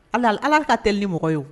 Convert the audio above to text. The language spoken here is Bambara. Ala ka tɛli ni mɔgɔ ye o